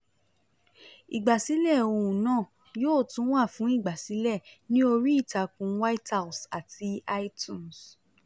Ìgbàsílẹ̀ ohùn náà yóò tún wà fún ìgbàsílẹ̀ ní orí ìtakùn White House àti iTunes.